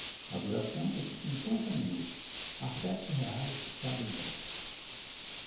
a duração é de cinquenta minutos a sete reais cada ingresso